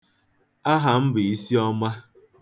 Aha m bụ Isiọma